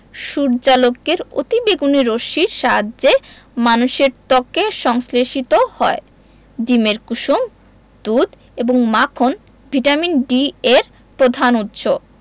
সূর্যালোকের অতিবেগুনি রশ্মির সাহায্যে মানুষের ত্বকে সংশ্লেষিত হয় ডিমের কুসুম দুধ এবং মাখন ভিটামিন D এর প্রধান উৎস